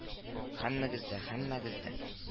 Һәммәгез дә, һәммәгез дә